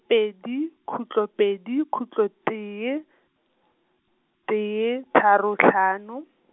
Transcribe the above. pedi, khutlo pedi, khutlo tee, tee tharo hlano.